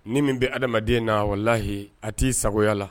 Ni min bɛ adamaden na o layi a t'i sago la